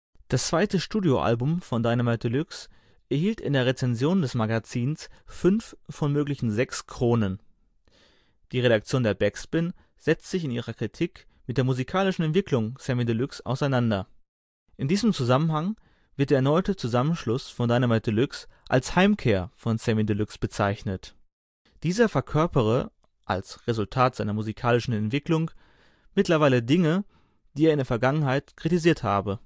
Das zweite Studioalbum von Dynamite Deluxe erhielt in der Rezension des Magazins fünf von möglichen sechs „ Kronen “. Die Redaktion der Backspin setzt sich in ihrer Kritik mit der musikalischen Entwicklung Samy Deluxe’ auseinander. In diesem Zusammenhang wird der erneute Zusammenschluss von Dynamite Deluxe als „ Heimkehr “von Samy Deluxe bezeichnet. Dieser verkörpere als Resultat seiner musikalischen Entwicklung mittlerweile Dinge, die er in der Vergangenheit kritisiert habe